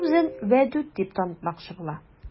Ул үзен Вәдүт дип танытмакчы була.